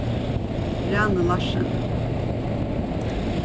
rani larsen